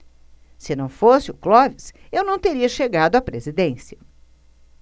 se não fosse o clóvis eu não teria chegado à presidência